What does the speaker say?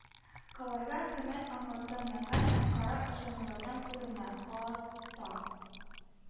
Каларга хөрмәт аңлаткан мәкаль һәм кара ышануларда күренә: ала таң,